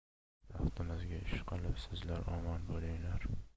baxtimizga ishqilib sizlar omon bo'linglar